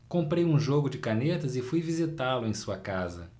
comprei um jogo de canetas e fui visitá-lo em sua casa